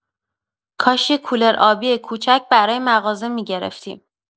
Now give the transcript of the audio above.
کاش یه کولر آبی کوچک برای مغازه می‌گرفتیم.